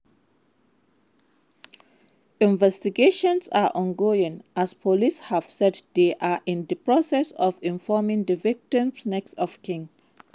Investigations are ongoing as police have said they are in the process of informing the victim's next of kin.